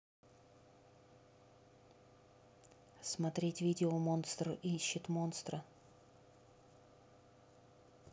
смотреть видео монстр ищет монстра